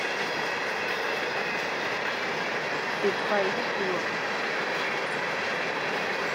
ปิดไฟทุกดวง